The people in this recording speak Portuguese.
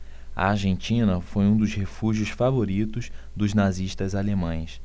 a argentina foi um dos refúgios favoritos dos nazistas alemães